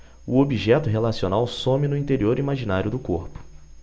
o objeto relacional some no interior imaginário do corpo